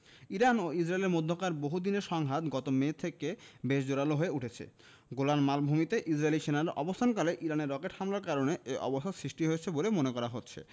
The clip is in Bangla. ইরান ও ইসরায়েলের মধ্যকার বহুদিনের সংঘাত গত মে থেকে বেশ জোরালো হয়ে উঠেছে গোলান মালভূমিতে ইসরায়েলি সেনারা অবস্থানকালে ইরানের রকেট হামলার কারণে এ অবস্থার সৃষ্টি হয়েছে বলে মনে করা হচ্ছে